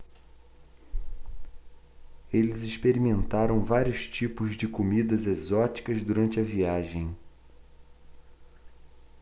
eles experimentaram vários tipos de comidas exóticas durante a viagem